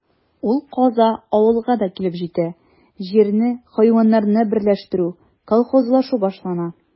Ул каза авылга да килеп җитә: җирне, хайваннарны берләштерү, колхозлашу башлана.